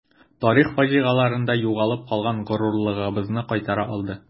Тарих фаҗигаларында югалып калган горурлыгыбызны кайтара алды.